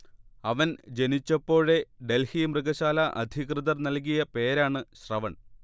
അവൻ ജനിച്ചപ്പോഴേ ഡൽഹി മൃഗശാലാ അധികൃതർ നൽകിയ പേരാണ് ശ്രവൺ